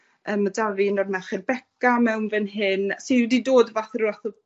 yym ma' 'da fi un o'r Merched Beca mewn fyn hyn sy wedi dod fath o ryw fath o